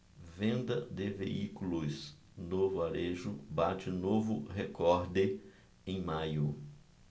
venda de veículos no varejo bate novo recorde em maio